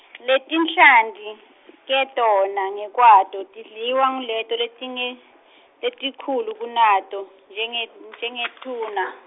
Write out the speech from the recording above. Letinhlanti ke tona ngekwato tidliwa nguleto letingi- letinkhulu kunato, njenge njengemaTuna.